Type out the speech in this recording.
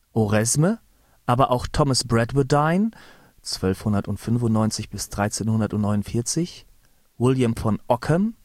Oresme, aber auch Thomas Bradwardine (1295 – 1349), Wilhelm von Ockham